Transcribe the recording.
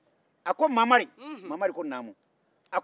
a ko mamari o ko naanu